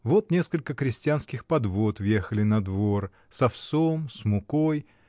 Вот несколько крестьянских подвод въехали на двор, с овсом, с мукой